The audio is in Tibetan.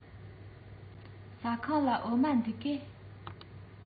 ཟ ཁང ལ འོ མ འདུག གས